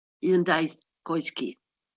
Un daith coes ci.